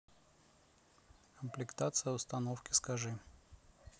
комплектация установки скажи